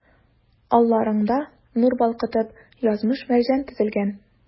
Алларыңда, нур балкытып, язмыш-мәрҗән тезелгән.